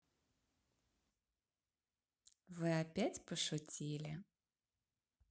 вы опять пошутили